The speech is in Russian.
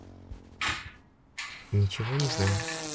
ничего не знаю